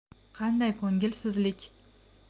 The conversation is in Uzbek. qanday ko'ngilsizlik